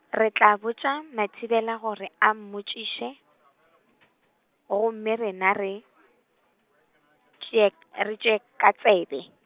re tla botša Mathibela gore a mmotšiše , gomme rena re , tšee, re tšee, ka tsebe.